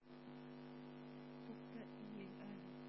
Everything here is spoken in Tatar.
Тукта, иел әле!